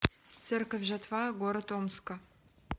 церковь жатва города омска